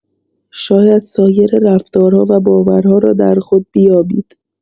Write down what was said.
شاید سایر رفتارها و باورها را در خود بیابید.